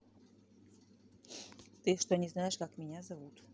ты что не знаешь как меня зовут